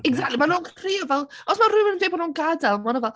Exactly maen nhw'n c- crio fel os mae rhywun yn dweud bod nhw'n gadael mae nhw'n fel...